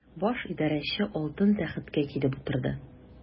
Баш идарәче алтын тәхеткә килеп утырды.